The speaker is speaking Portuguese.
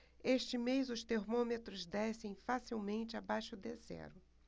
este mês os termômetros descem facilmente abaixo de zero